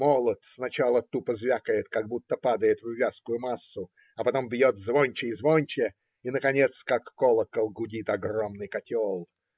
Молот сначала тупо звякает, как будто падает в вязкую массу, а потом бьет звонче и звонче, и, наконец, как колокол, гудит огромный котел.